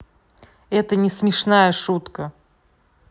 это не смешная шутка